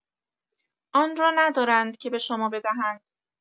آن را ندارند که به شما بدهند.